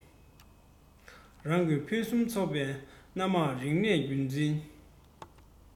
རང གི ཕུན སུམ ཚོགས པའི སྣ མང རིག གནས རྒྱུན འཛིན